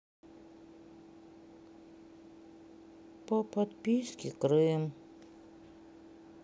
по подписке крым